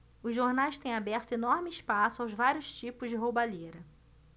os jornais têm aberto enorme espaço aos vários tipos de roubalheira